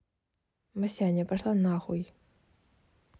масяня пошла нахуй